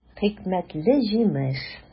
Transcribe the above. Хикмәтле җимеш!